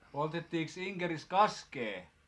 poltettiinkos Inkerissä kaskea